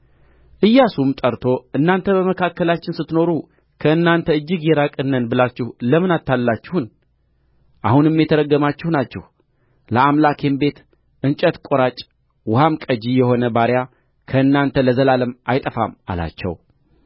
ኢያሱም ጠርቶ እናንተ በመካከላችን ስትኖሩ ከእናንተ እጅግ የራቅን ነን ብላችሁ ለምን አታለላችሁን አሁንም የተረገማችሁ ናችሁ ለአምላኬም ቤት እንጨት ቈራጭ ውኃም ቀጂ የሆነ ባሪያ ከእናንተ ለዘላለም አይጠፋም አላቸው